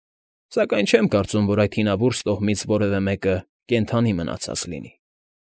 Սակայն չեմ կարծում, որ այդ հինավուրց տոհմից որևէ մեկը կենդանի մնացած լինի։